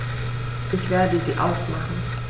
Ich werde sie ausmachen.